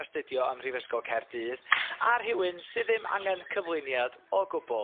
astudio ym Mhrifysgol Caerdydd a rhywun sydd ddim angen cyflwyniad o gwbl